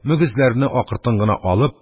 Мөгезләрене акыртын гына алып,